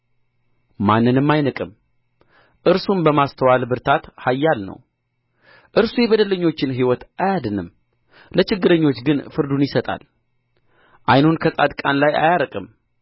ማንንም አይንቅም እርሱም በማስተዋል ብርታት ኃያል ነው እርሱ የበደለኞችን ሕይወት አያድንም ለችግረኞች ግን ፍርዱን ይሰጣል ዓይኑን ከጻድቃን ላይ አያርቅም